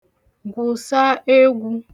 gwùsa egwū